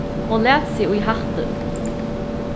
hon lat seg í hattin